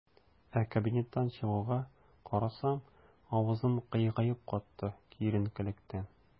Ә кабинеттан чыгуга, карасам - авызым кыегаеп катты, киеренкелектән.